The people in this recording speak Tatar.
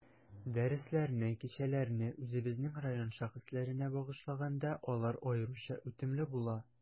Дәресләрне, кичәләрне үзебезнең район шәхесләренә багышлаганда, алар аеруча үтемле була.